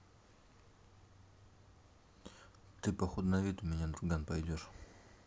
ты походу на вид у меня друган пойдешь